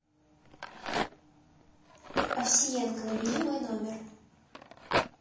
овсиенко набери мой номер